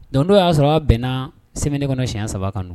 Don dɔw y'a sɔrɔ a bɛnna sɛbɛnnen kɔnɔ siɲɛ saba kan